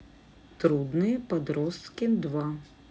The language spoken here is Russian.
трудные подростки два